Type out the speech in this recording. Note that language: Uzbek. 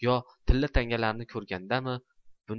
yo tilla tangalarni ko'rganidami